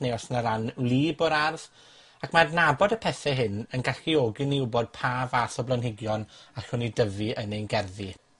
neu os 'na ran wlyb o'r ardd, ac ma' adnabod y pethe hyn yn galluogi ni wbod pa fath o blanhigion allwn ni dyfu yn ein gerddi.